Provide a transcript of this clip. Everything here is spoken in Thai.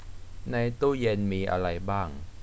ในตู้เย็นมีอะไรบ้าง